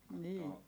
niin